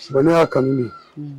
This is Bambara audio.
Bana y'a kan min